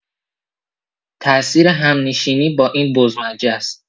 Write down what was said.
تاثیر همنشینی با این بزمجه ست.